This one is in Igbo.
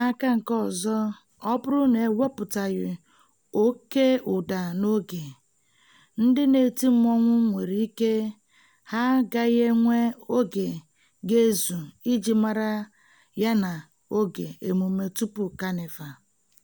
N'aka nke ọzọ, ọ bụrụ na e wepụtaghị oké ụda n'oge, ndị na-eti mmọnwụ nwere ike ha agaghị enwe oge ga-ezu iji mara ya n'oge emume tupu Kanịva.